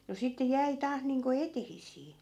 no sitten jäi taas niin kuin eteisiä